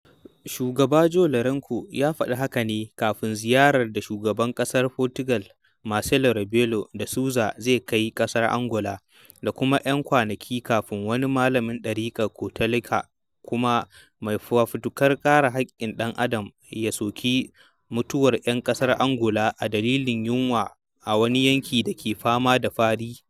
Shugaba João Lourenço ya faɗi haka ne kafin ziyarar da Shugaban ƙasar Fotugal, Marcelo Rebelo de Sousa zai kai ƙasar Angola, da kuma ‘yan kwanaki kafin wani malamin ɗariƙar Katolika kuma mai fafutukar kare haƙƙin ɗan adam ya soki mutuwar ‘yan ƙasar Angola a dalilin yunwa a wani yanki da ke fama da fari.